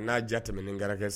N'a diya tɛmɛnen karata